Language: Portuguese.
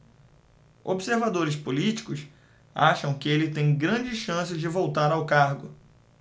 observadores políticos acham que ele tem grandes chances de voltar ao cargo